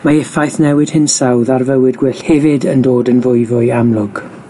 Mae effaith newid hinsawdd ar fywyd gwyllt hefyd yn dod yn fwy fwy amlwg.